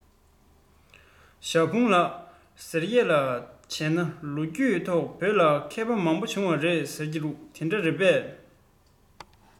ཞའོ ཧྥུང ལགས ཟེར ཡས ལ བྱས ན ལོ རྒྱུས ཐོག བོད ལ མཁས པ མང པོ བྱུང བ རེད ཟེར གྱིས དེ འདྲ རེད པས